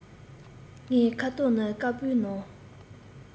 ངའི ཁ དོག ནི དཀར པོའི ནང